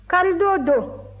karidon dun